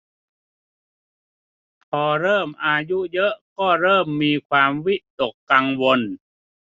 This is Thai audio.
พอเริ่มอายุเยอะก็เริ่มมีความวิตกกังวล